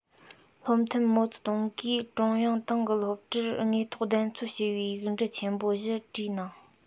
བློ མཐུན མའོ ཙེ ཏུང གིས ཀྲུང དབྱང ཏང གི སློབ གྲྭར དངོས ཐོག བདེན འཚོལ ཞེས པའི ཡིག འབྲུ ཆེན པོ བཞི བྲིས གནང